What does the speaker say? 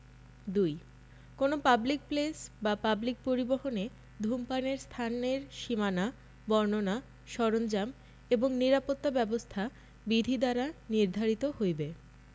২ কোন public place বা public পরিবহণে ধূমপানের স্থানের সীমানা বর্ণনা সরঞ্জাম এবং নিরাপত্তা ব্যবস্থা বিধি দ্বারা নির্ধারিত হইবে